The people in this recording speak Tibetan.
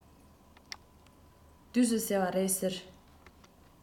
དུས སུ ཟེར བ རེད ཟེར